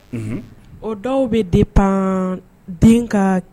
Unhun o dɔw be dépend den kaa